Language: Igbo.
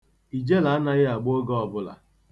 Ijele anaghị agba oge ọbụla.